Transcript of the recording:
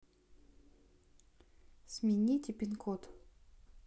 сменить пин код